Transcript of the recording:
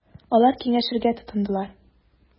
Алар киңәшергә тотындылар.